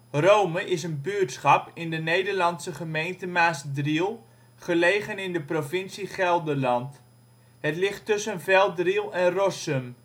Rome is een buurtschap in de Nederlandse gemeente Maasdriel, gelegen in de provincie Gelderland. Het ligt tussen Velddriel en Rossum